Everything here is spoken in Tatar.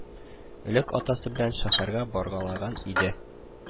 Элек атасы белән шәһәргә баргалаган иде